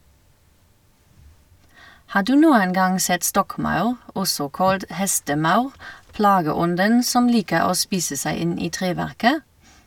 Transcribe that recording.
Har du noen gang sett stokkmaur, også kalt hestemaur, plageånden som liker å spise seg inn i treverket?